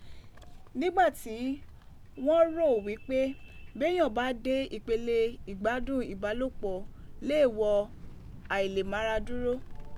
Nígbà tí wọ́n rò wí pé béèyàn bá dé ìpele gbígbádùn ìbálòpọ̀ léè wò àìlèmáradúró.